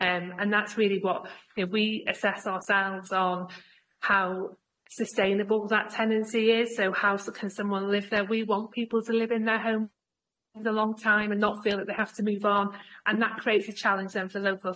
Yym and that's really what you know we assess ourselves on how sustainable that tenancy is so how so can someone live there we want people to live in their home for the long time and not feel that they have to move on and that creates a challenge then for the local